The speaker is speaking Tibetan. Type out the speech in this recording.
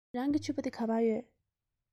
རང གི ཕྱུ པ དེ ག པར ཡོད